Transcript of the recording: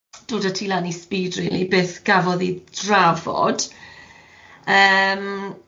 Dod ati lan i sbîd rili, beth gafodd i drafod yym